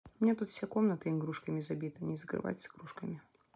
у меня тут вся комната игрушками забита на закрывать с игрушками